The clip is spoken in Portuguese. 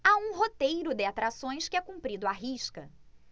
há um roteiro de atrações que é cumprido à risca